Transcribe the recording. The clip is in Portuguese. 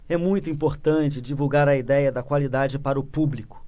é muito importante divulgar a idéia da qualidade para o público